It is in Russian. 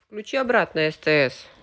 включи обратно стс